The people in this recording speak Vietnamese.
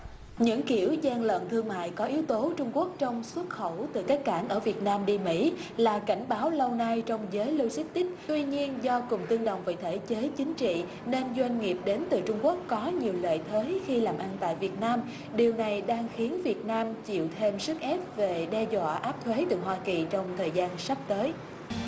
những kiểu gian lận thương mại có yếu tố trung quốc trong xuất khẩu từ các cảng ở việt nam đi mỹ là cảnh báo lâu nay trong giới lô dích tích tuy nhiên do cùng tương đồng về thể chế chính trị nên doanh nghiệp đến từ trung quốc có nhiều lợi thế khi làm ăn tại việt nam điều này đang khiến việt nam chịu thêm sức ép về đe dọa áp thuế từ hoa kỳ trong thời gian sắp tới